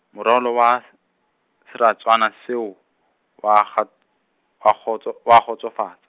moralo wa s- seratswana seo oa kgat- oa kgotso, oa kgotso fatshe.